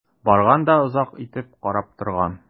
Барган да озак итеп карап торган.